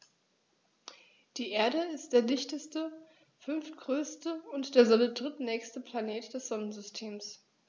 Die Erde ist der dichteste, fünftgrößte und der Sonne drittnächste Planet des Sonnensystems.